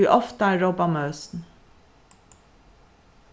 ið ofta rópa møsn